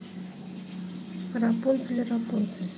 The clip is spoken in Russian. рапунцель рапунцель